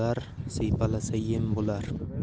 bo'lar siypalasa yem bo'lar